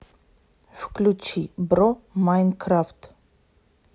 включи бро майнкрафт